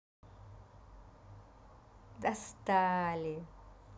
достали